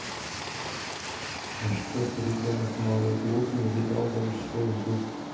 а что ты ребенок малый глуп не видал большой зуб